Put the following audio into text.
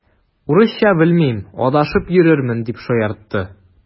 Урысча белмим, адашып йөрермен, дип шаяртты.